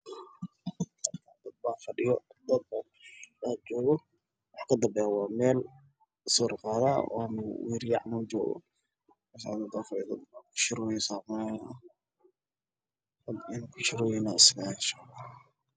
Meeshaan waxaa iga muuqdo niman fara badan oo wata yaallo waxayna wataan dhar kala duwan